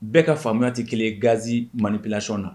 Bɛɛ ka faamuyaya tɛ kelen gaz manipulation na!